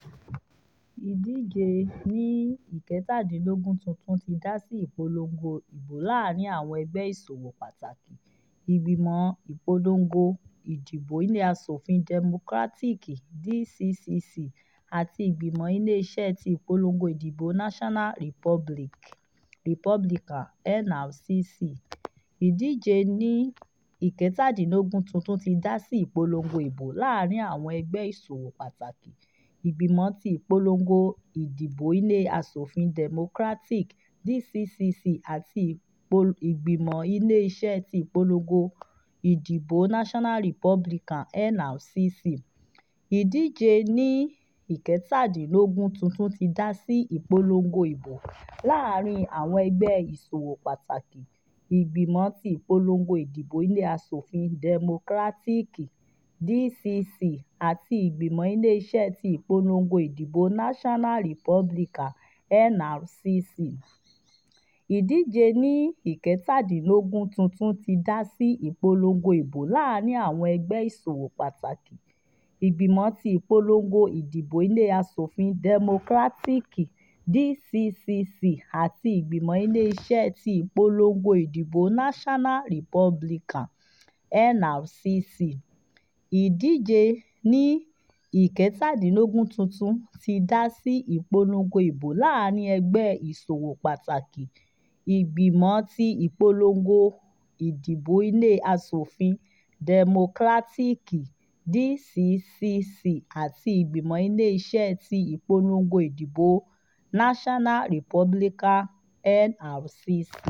Ìdíje ní 17th tuntun ti dásí ìpòlòngo ìbò láàrín àwọn ẹgbẹ́ ìṣòwò pàtàkì, Ìgbìmọ̀ ti Ìpòlòngo Ìdìbò Ilé Aṣòfin Democratic (DCCC) àti Ìgbìmọ̀ Ilé-iṣẹ́ ti Ìpòlòngo Ìdìbò National Republican (NRCC).